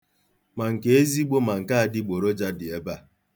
Ma nke ezigbo ma nke adịgboroja dị ebe a.